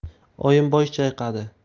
oyim bosh chayqadi